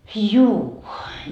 juu